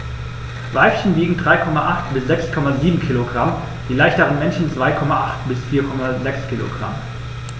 Weibchen wiegen 3,8 bis 6,7 kg, die leichteren Männchen 2,8 bis 4,6 kg.